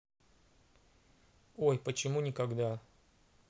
ой почему никогда